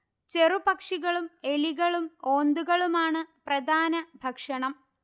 ചെറു പക്ഷികളും എലികളും ഓന്തുകളുമാണ് പ്രധാന ഭക്ഷണം